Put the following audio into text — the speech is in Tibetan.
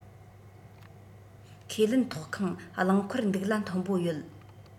ཁས ལེན ཐོག ཁང རླངས འཁོར འདུག གླ མཐོ པོ ཡོད